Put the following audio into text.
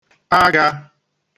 aga